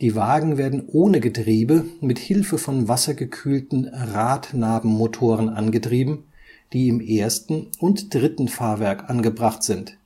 Wagen werden ohne Getriebe mit Hilfe von wassergekühlten Radnabenmotoren angetrieben, die im ersten und dritten Fahrwerk angebracht sind